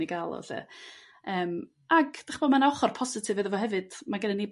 i ga'l o 'lly. Yrm ag 'dych ch'bo' ma' 'na ochr positif iddo fo hefyd mae gennyn ni